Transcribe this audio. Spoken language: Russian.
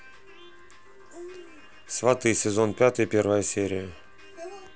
сваты сезон пятый первая серия